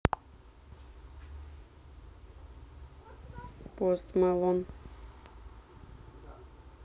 пост мэлон